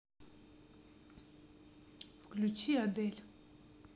включи адель